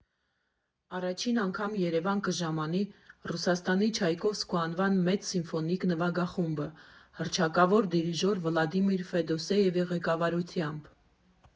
Առաջին անգամ Երևան կժամանի Ռուսաստանի Չայկովսկու անվան մեծ սիմֆոնիկ նվագախումբը՝ հռչակավոր դիրիժոր Վլադիմիր Ֆեդոսեևի ղեկավարությամբ։